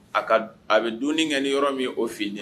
A ka d a be dunni kɛ ni yɔrɔ min ye o' finnen